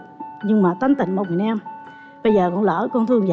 nhưng mà tính tình của một người nam thì bây giờ lỡ con thương